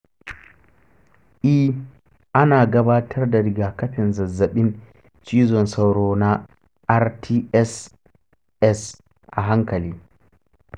e, ana gabatar da rigakafin zazzaɓin cizon sauro na rts,s a hankali.